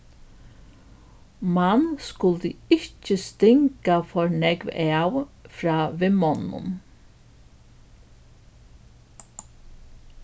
mann skuldi ikki stinga for nógv av frá vinmonnunum